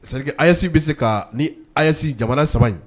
Seli asi bɛ se ka ni a yesi jamana saba in